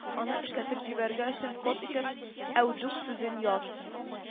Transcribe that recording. Аны эшләтеп җибәрер өчен код итеп "әүдүк" сүзен яз